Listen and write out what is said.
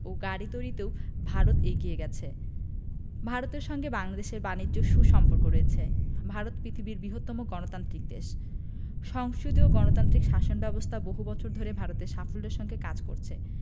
ও গাড়ি তৈরিতেও ভারত এগিয়ে গেছে ভারতের সঙ্গে বাংলাদেশের বানিজ্যে সু সম্পর্ক রয়েছে ভারত পৃথিবীর বৃহত্তম গণতান্ত্রিক দেশ সংসদীয় গণতান্ত্রিক শাসন ব্যাবস্থা বহু বছর ধরে ভারতে সাফল্যের সঙ্গে কাজ করছে